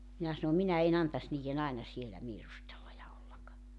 minä sanon minä en antaisi niiden aina siellä viirustella ja olla